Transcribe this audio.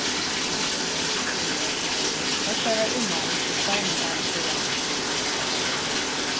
hetta var í mai fyri tveimum árum síðan